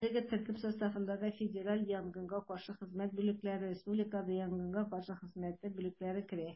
Әлеге төркем составына федераль янгынга каршы хезмәте бүлекләре, республика янгынга каршы хезмәте бүлекләре керә.